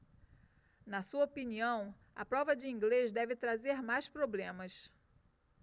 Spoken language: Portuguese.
na sua opinião a prova de inglês deve trazer mais problemas